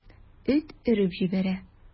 Эт өреп җибәрә.